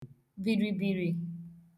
bìrìbìrì